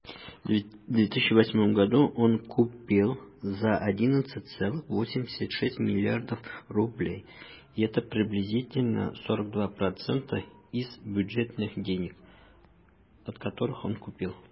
2008 елда ул 11,86 млрд. сум булган, шуның якынча 42 % бюджет акчасы хисабына сатып алынган.